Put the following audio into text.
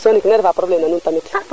so ndiiki ka nera probleme na nuun aussi